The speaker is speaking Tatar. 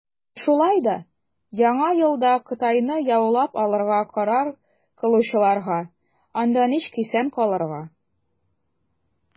Ә шулай да Яңа елда Кытайны яулап алырга карар кылучыларга, - анда ничек исән калырга.